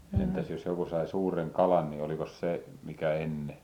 entä jos joku sai suuren kalan niin olikos se mikä enne